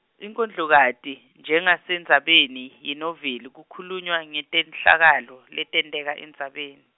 Inkondlokati, njengasendzabeni yenoveli kukhulunywa ngetehlakalo letenteka endzabeni.